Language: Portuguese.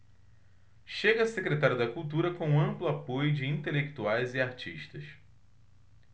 chega a secretário da cultura com amplo apoio de intelectuais e artistas